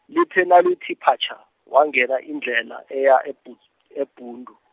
lithe nalithi phatjha, wangena indlela eya eBhu-, eBhundu.